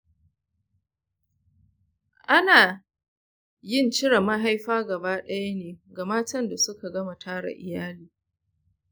ana yin cire mahaifa gaba ɗaya ne ga matan da suka gama tara iyali.